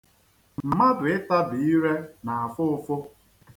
Mmadụ itabi ire na-afụ ụfụ.